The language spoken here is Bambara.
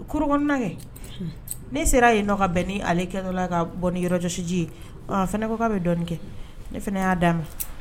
Kurukɛ ne sera yen n ka bɛn ni ale kɛ ka bɔ ni yɔrɔjɔsiji ye ne ko bɛ dɔn kɛ ne fana y'a d di a ma